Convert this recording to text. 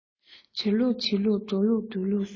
བྱ ལུགས བྱེད ལུགས འགྲོ ལུགས སྡོད ལུགས གསུམ